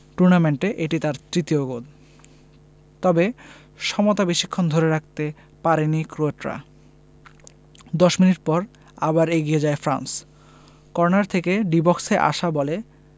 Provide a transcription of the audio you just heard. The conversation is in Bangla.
টুর্নামেন্টে এটি তার তৃতীয় গোল তবে সমতা বেশিক্ষণ ধরে রাখতে পারেনি ক্রোটরা ১০ মিনিট পর আবার এগিয়ে যায় ফ্রান্স কর্নার থেকে ডি বক্সে আসা বলে